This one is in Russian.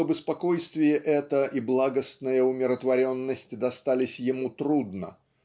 чтобы спокойствие это и благостная умиротворенность достались ему трудно